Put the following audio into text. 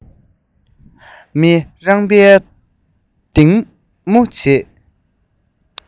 ཞེས མི རངས པའི སྡིགས མོ བྱས